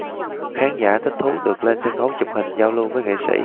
khán giả thích thú được lên sân khấu chụp hình giao lưu với nghệ sĩ